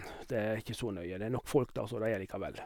Det er ikke så nøye, det er nok folk der som det er likevel.